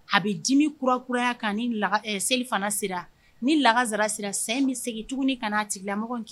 A bɛ dimi kura kuraya, nka ni selifana sera, ni lakasara sera sa in bɛ segin tuguni kana a tigilamɔgɔ in